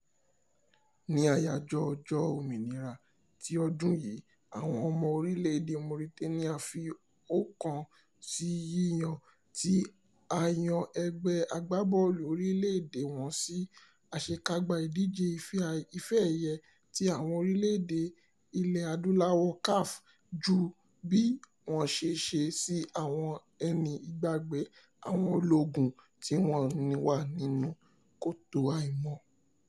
Ní àyájọ́ ọjọ́ òmìnira ti ọdún yìí, àwọn ọmọ orílẹ̀-èdè Mauritania fi ọkàn sí yíyàn tí a yan ẹgbẹ́ agbábọ́ọ̀lù orílẹ̀-èdè wọn sí àṣekágbá ìdíje Ife-ẹ̀yẹ ti àwọn orílẹ̀-èdè Ilẹ̀-Adúláwọ̀ (CAF) ju bí wọ́n ṣe ṣe sí àwọn ẹni ìgbàgbé, àwọn ológun tí wọ́n wà nínú kòtò àìmọ̀ ...